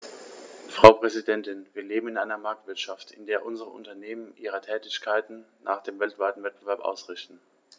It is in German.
Frau Präsidentin, wir leben in einer Marktwirtschaft, in der unsere Unternehmen ihre Tätigkeiten nach dem weltweiten Wettbewerb ausrichten.